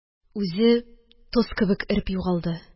Үзе тоз кебек эреп югалды.